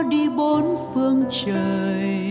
đi